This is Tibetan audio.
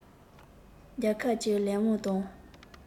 རྒྱལ ཁབ ཀྱི ལས དབང དང